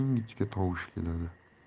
ingichka tovushi keladi